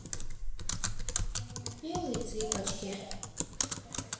белые цыпочки